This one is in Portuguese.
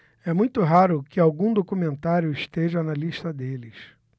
é muito raro que algum documentário esteja na lista deles